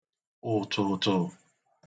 ụ̀tụ̀tụ̀